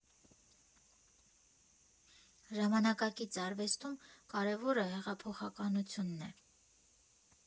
Ժամանակակից արվեստում կարևորը հեղափոխականությունն է։